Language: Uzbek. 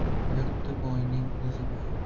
yurti boyning o'zi boy